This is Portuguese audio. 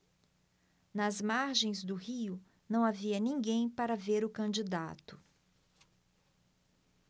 nas margens do rio não havia ninguém para ver o candidato